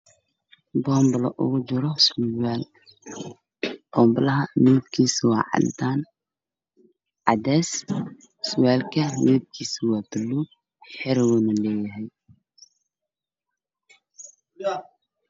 Waa boon balo oo wata sarwaal midabkiisu waa cadays